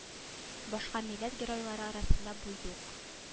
Башка милләт геройлары арасында бу юк